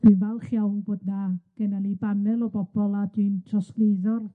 Dwi'n falch iawn bod 'na gennan ni banel o bobol a dwi'n trosglwyddo'r...